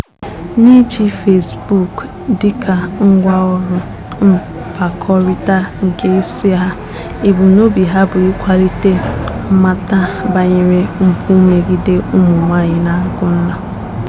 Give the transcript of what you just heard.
N'iji Facebook dịka ngwaọrụ mkpakọrịta nke isi ha, ebumnobi ha bụ ịkwalite mmata banyere mpụ megide ụmụ nwaanyị na Angola: